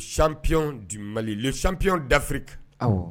Sanpy di mali le sanpy dafiri